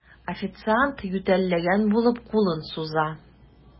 Официант, ютәлләгән булып, кулын суза.